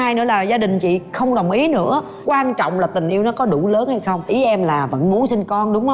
nữa là gia đình chị không đồng ý nữa quan trọng là tình yêu nó có đủ lớn hay không ý em là vẫn muốn sinh con đúng không